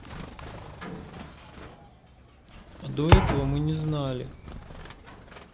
а до этого мы не знали